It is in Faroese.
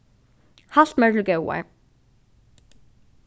halt mær til góðar